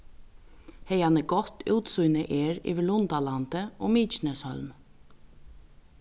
haðani gott útsýni er yvir lundalandið og mykineshólm